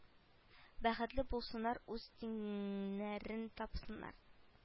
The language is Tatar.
Бәхетле булсыннар үз тиңнәрен тапсыннар